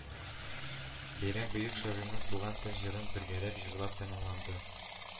Бәйрәм бөек шагыйрьнең Туган тел җырын бергәләп җырлап тәмамланды